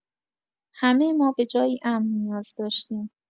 همه ما به جایی امن نیاز داشتیم.